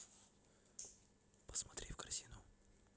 посмотрим корзину